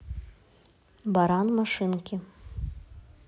баран машинки